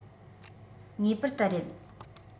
ངེས པར དུ རེད